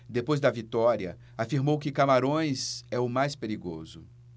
depois da vitória afirmou que camarões é o mais perigoso